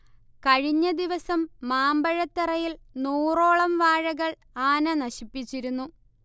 കഴിഞ്ഞദിവസം മാമ്പഴത്തറയിൽ നൂറോളം വാഴകൾ ആന നശിപ്പിച്ചിരുന്നു